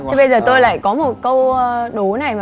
thế bây giờ tôi lại có một câu đố này mà